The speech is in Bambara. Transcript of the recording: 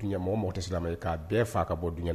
Mɔgɔ mɔgɔ tɛ sira k'a bɛɛ fa ka bɔ denkɛgɛ